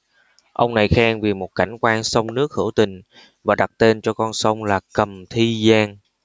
ông này khen vì một cảnh quan sông nước hữu tình và đặt tên cho con sông là cầm thi giang